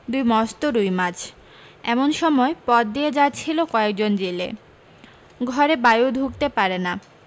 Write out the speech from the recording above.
দুই মস্ত রুই মাছ এমন সময় পথ দিয়ে যাচ্ছিল কয়েকজন জেলে ঘরে বায়ু ঢুকতে পারে না